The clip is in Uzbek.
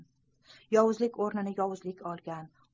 yovuzlik o'rnini yovuzlik olgan